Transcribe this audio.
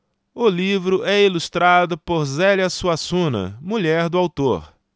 o livro é ilustrado por zélia suassuna mulher do autor